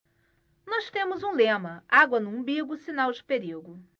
nós temos um lema água no umbigo sinal de perigo